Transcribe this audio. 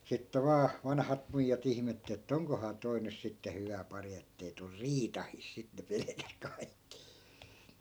sitten vain vanhat muijat ihmetteli että onkohan tuo nyt sitten hyvä pari että ei tule riitainen sitä ne pelkäsivät kaikki